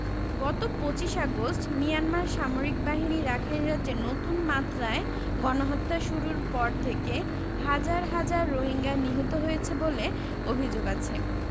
গত ২৫ August Myanmar সামরিক বাহিনী রাখাইন রাজ্যে নতুন মাত্রায় গণহত্যা শুরুর পর থেকে হাজার হাজার রোহিঙ্গা নিহত হয়েছে বলে অভিযোগ আছে